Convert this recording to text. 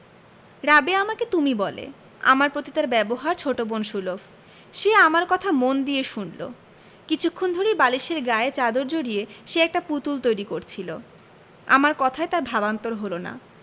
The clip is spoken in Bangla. রাবেয়া আমাকে তুমি বলে আমার প্রতি তার ব্যবহার ছোট বোন সুলভ সে আমার কথা মন দিয়ে শুনলো কিছুক্ষণ ধরেই বালিশের গায়ে চাদর জড়িয়ে সে একটা পুতুল তৈরি করছিলো আমার কথায় তার ভাবান্তর হলো না